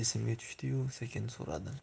esimga tushdiyu sekin so'radim